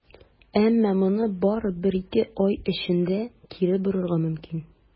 Әмма моны бары бер-ике ай эчендә кире борырга мөмкин.